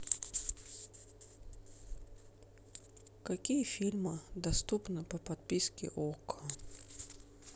какие фильмы доступны по подписке окко